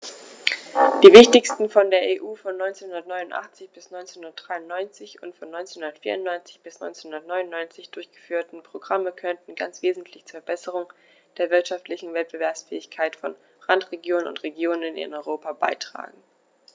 Die wichtigsten von der EU von 1989 bis 1993 und von 1994 bis 1999 durchgeführten Programme konnten ganz wesentlich zur Verbesserung der wirtschaftlichen Wettbewerbsfähigkeit von Randregionen und Regionen in Europa beitragen.